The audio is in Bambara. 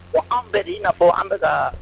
Ko an bɛɛ de nafafɔ an bɛ taa